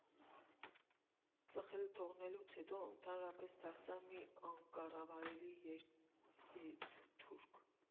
Ծխելը թողնելուց հետո ընդհանրապես դարձա մի անկառավարելի երիտթուրք։